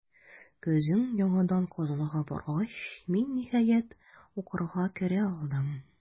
Көзен яңадан Казанга баргач, мин, ниһаять, укырга керә алдым.